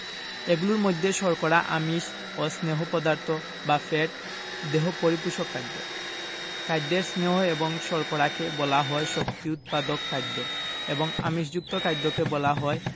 এগুলোর মধ্যে শর্করা আমিষ ও স্নেহ পদার্থ বা ফ্যাট দেহ পরিপোষক খাদ্য খাদ্যের স্নেহ এবং শর্করাকে বলা হয় শক্তি উৎপাদক খাদ্য এবং আমিষযুক্ত খাদ্যকে বলা হয়